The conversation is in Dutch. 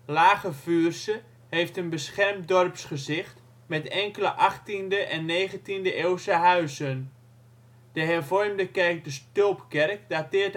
Lage Vuursche heeft een beschermd dorpsgezicht met enkele achttiende - en negentiende-eeuwse huizen. De hervormde kerk De Stulpkerk dateert uit 1650